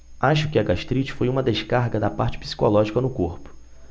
acho que a gastrite foi uma descarga da parte psicológica no corpo